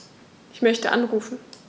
Ich möchte anrufen.